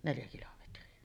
neljä kilometriä